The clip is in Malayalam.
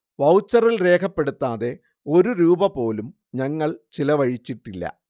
വൗച്ചറിൽ രേഖപ്പെടുത്താതെ ഒരു രൂപ പോലും ഞങ്ങൾ ചിലവഴിച്ചിട്ടില്ല